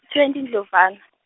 twenty iNdlovana.